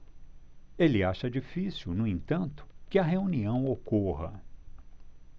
ele acha difícil no entanto que a reunião ocorra